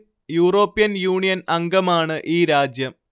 European Union അംഗമാണ് ഈ രാജ്യം